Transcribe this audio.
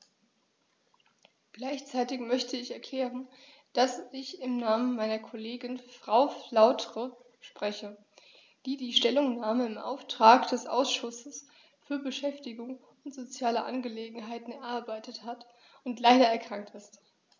Gleichzeitig möchte ich erklären, dass ich im Namen meiner Kollegin Frau Flautre spreche, die die Stellungnahme im Auftrag des Ausschusses für Beschäftigung und soziale Angelegenheiten erarbeitet hat und leider erkrankt ist.